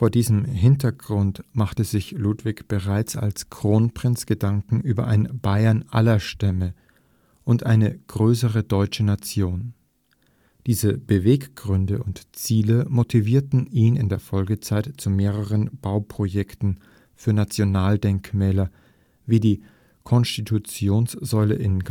diesem Hintergrund machte sich Ludwig bereits als Kronprinz Gedanken über ein „ Baiern aller Stämme “und eine „ größere deutsche Nation “. Diese Beweggründe und Ziele motivierten ihn in der Folgezeit zu mehreren Bauprojekten für Nationaldenkmäler wie die Konstitutionssäule in